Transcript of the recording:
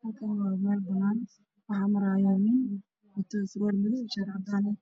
Halkaan waa meel banaan waxaa maraya nin wata surwal madoow shaar cadan ah